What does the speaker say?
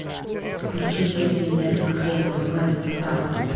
включи песню мерк креман хэндс ап